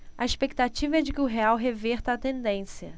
a expectativa é de que o real reverta a tendência